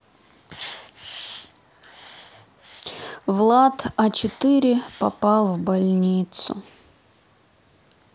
влад а четыре попал в больницу